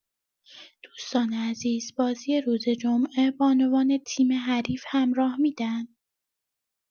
دوستان عزیز بازی روز جمعه بانوان تیم حریف هم راه می‌دن؟